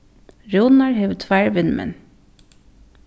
rúnar hevur tveir vinmenn